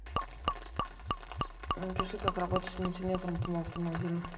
напиши как работать мультиметром по автомобилю